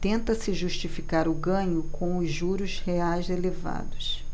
tenta-se justificar o ganho com os juros reais elevados